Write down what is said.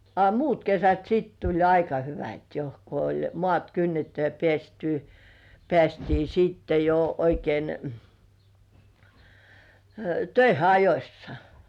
a muut kesät sitten tuli aika hyvät jo kun oli maat kynnetty ja päästy päästiin sitten jo oikein töihin ajoissa